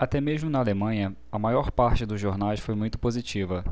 até mesmo na alemanha a maior parte dos jornais foi muito positiva